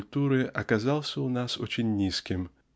культуры оказался у нас очень низким